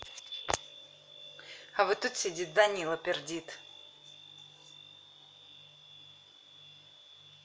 а вот тут сидит данила пердит